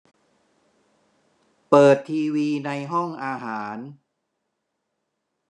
เปิดทีวีในห้องอาหาร